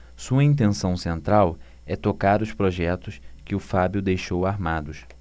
sua intenção central é tocar os projetos que o fábio deixou armados